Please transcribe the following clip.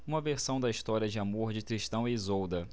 uma versão da história de amor de tristão e isolda